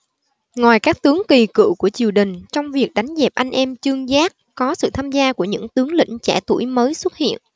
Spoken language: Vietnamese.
ngoài các tướng kỳ cựu của triều đình trong việc đánh dẹp anh em trương giác có sự tham gia của những tướng lĩnh trẻ tuổi mới xuất hiện